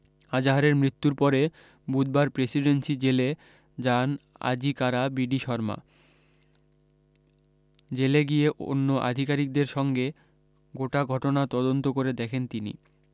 আজাহারের মৃত্যুর পরে বুধবার প্রেসিডেন্সি জেলে যান আজি কারা বিডি শরমা জেলে গিয়ে অন্য আধিকারিক দের সঙ্গে গোটা ঘটনা তদন্ত করে দেখেন তিনি